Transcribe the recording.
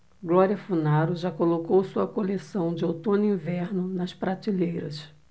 glória funaro já colocou sua coleção de outono-inverno nas prateleiras